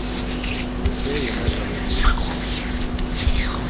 eg vil fegin melda meg til